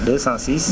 206